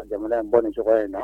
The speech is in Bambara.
A jamana in n bɔn nin tɔgɔ in na